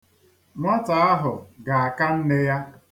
Nwata ahụ ga-aka nne ya.